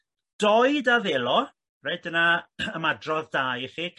doed a ddelo reit dyna ymadrodd da i chi